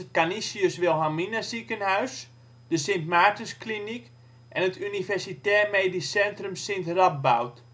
Canisius-Wilhelmina Ziekenhuis Sint Maartenskliniek Universitair Medisch Centrum St Radboud